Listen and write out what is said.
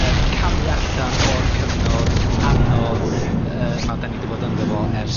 yn camu allan o'r cyfnod anodd yy 'ma 'dan ni 'di fod ynddo fo ers...